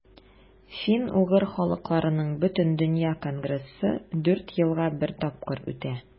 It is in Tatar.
Фин-угыр халыкларының Бөтендөнья конгрессы дүрт елга бер тапкыр үтә.